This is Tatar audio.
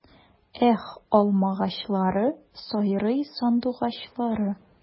Эх, алмагачлары, сайрый сандугачлары!